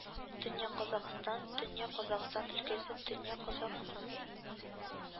Төньяк КазакъстанТөньяк Казакъстан өлкәсе Төньяк Казакъстан